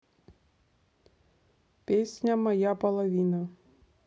песня моя половина